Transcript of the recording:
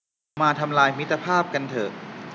มาทำลายมิตรภาพกันเถอะ